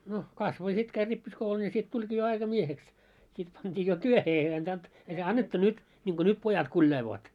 no kasvoi ja sitten kävi rippikoulun ja sitten tulikin jo aikamieheksi sitten pantiin jo työhön ei antanut ei se annettu nyt niin kuin nyt pojat kuljailevat